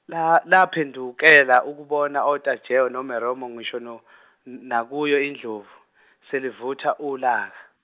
la laphendukela ukubona oTajewo noMeromo ngisho no, n- nakuyo indlovu selivutha ulaka.